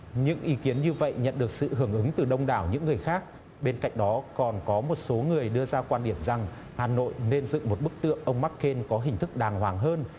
những ý kiến như vậy nhận được sự hưởng ứng từ đông đảo những người khác bên cạnh đó còn có một số người đưa ra quan điểm rằng hà nội nên dựng một bức tượng ông mắc kên có hình thức đàng hoàng hơn